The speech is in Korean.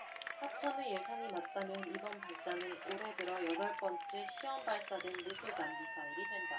합참의 예상이 맞다면 이번 발사는 올해 들어 여덟 번째 시험발사된 무수단 미사일이 된다